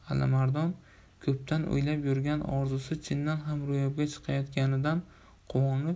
alimardon ko'pdan o'ylab yurgan orzusi chindan ham ro'yobga chiqayotganidan quvonib